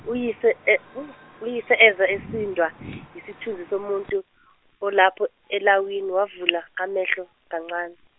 uyise e- uyise ese- esindwa yisithunzi somuntu, olapho elawini wavula amehlo kancane.